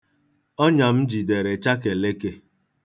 Ọnya m jidere chakeleke.